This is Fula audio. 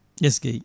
eskey